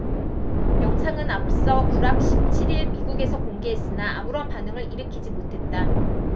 영상은 앞서 구랍 십 칠 일 미국에서 공개했으나 아무런 반응을 일으키지 못했다